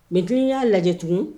y'a lajɛ tugun